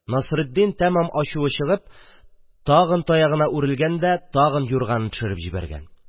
Насретдин, тамам ачуы чыгып, тагын таягына үрелгән дә, тагын юрганын төшереп җибәргән